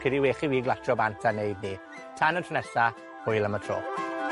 credu wech i fi glatsio bant, a neud 'ny. Tan y tro nesa. Hwyl am y tro.